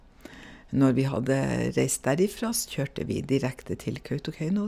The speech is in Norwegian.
Når vi hadde reist derifra, så kjørte vi direkte til Kautokeino.